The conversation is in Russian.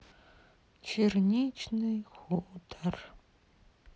черничный хутор